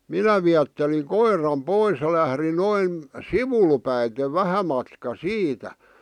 minä viettelin koiran pois ja lähdin noin sivulle päin vähän matkaa siitä